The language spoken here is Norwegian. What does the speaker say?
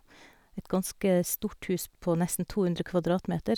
Et ganske stort hus på nesten to hundre kvadratmeter.